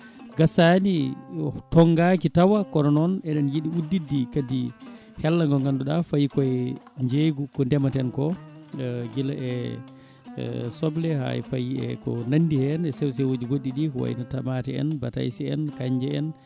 gasani tonggaki taw kono noon ene yiiɗi uddide kadi hello ngo ganduɗa fayi koye jeygu ko ndeemeten ko guila e soble ha e faayi e ko nandi hen e sewo sewoji goɗɗi ɗi ko wayno tamate en batayse en kanje en